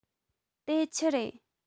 དེ ཆི རེད